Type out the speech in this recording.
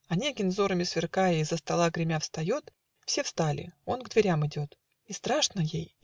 Онегин, взорами сверкая, Из-за стола, гремя, встает Все встали: он к дверям идет. И страшно ей